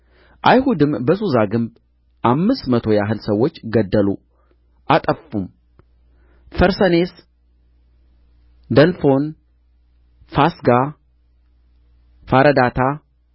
አይሁድም በሱሳ ግንብ አምስት መቶ ያህል ሰዎች ገደሉ አጠፉም ፈርሰኔስ ደልፎን ፋስጋ ፋረዳታ